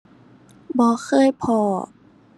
บ่เคยพ้อ